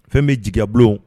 Fɛn bɛ jɛgɛ bulon